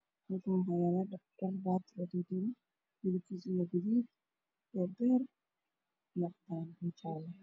Waa go idira midabkiisa ay guduud oo saaran sariicdaan ah